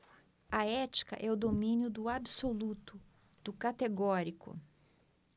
a ética é o domínio do absoluto do categórico